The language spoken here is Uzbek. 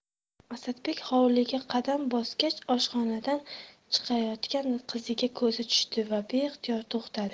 asadbek hovliga qadam bosgach oshxonadan chiqayotgan qiziga ko'zi tushdi yu beixtiyor to'xtadi